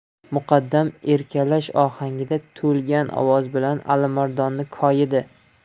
muqaddam erkalash ohangiga to'lgan ovoz bilan alimardonni koyidi